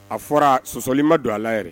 A fɔra sɔsɔli ma don a la yɛrɛ